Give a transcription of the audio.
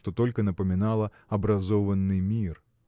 что только напоминало образованный мир.